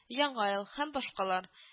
Яңа ел һәм башкалар